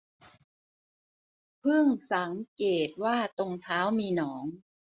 พึ่งสังเกตว่าตรงเท้ามีหนอง